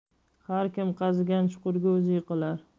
har kim qazigan chuqurga o'zi yiqilar